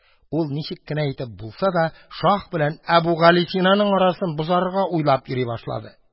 Ул ничек кенә итеп булса да шаһ белән Әбүгалисинаның арасын бозарга уйлап йөри башлады.